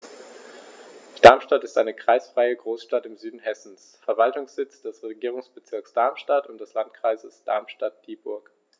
Darmstadt ist eine kreisfreie Großstadt im Süden Hessens, Verwaltungssitz des Regierungsbezirks Darmstadt und des Landkreises Darmstadt-Dieburg.